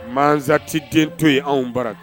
Mansa tɛ den to yen anw bara